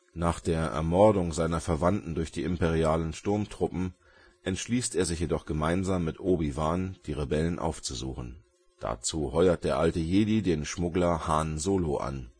Nach der Ermordung seiner Verwandten durch imperiale Sturmtruppen, entschließt er sich jedoch gemeinsam mit Obi-Wan die Rebellen aufzusuchen. Dazu heuert der alte Jedi den Schmuggler Han Solo an